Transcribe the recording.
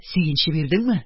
Сөенче бирдеңме?